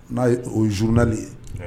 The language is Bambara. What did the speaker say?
N'a o ye zununa de ye